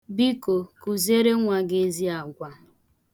Biko, kụziere nwa gị ezi agwa.